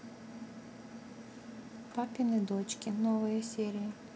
папины дочки новые серии